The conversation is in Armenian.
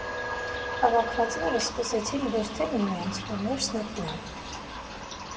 Հավաքվածները սկսեցին բրդել միմյանց, որ ներս մտնեն։